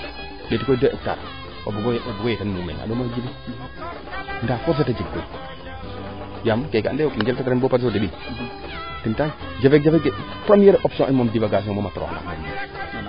ndeeti koy 4 o bugo yetin mumeen a ɗoma jiriñ ndaa koy fata jirnong yaam keeke ande o kiin gaka tiran baa pare so deɓin jafe jafe premier option es moom